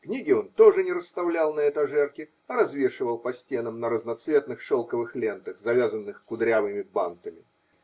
Книги он тоже не расставлял на этажерке, а развешивал по стенам на разноцветных шелковых лентах, завязанных кудрявыми бантами